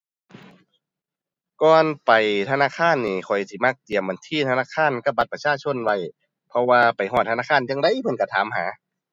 ก่อนไปธนาคารนี่ข้อยสิมักเตรียมบัญชีธนาคารกับบัตรประชาชนไว้ เพราะว่าไปฮอดธนาคารจั่งใดเพิ่นก็ถามหา